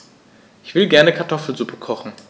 Ich will gerne Kartoffelsuppe kochen.